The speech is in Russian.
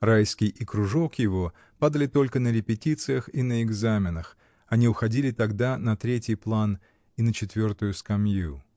Райский и кружок его падали только на репетициях и на экзаменах, они уходили тогда на третий план и на четвертую скамью.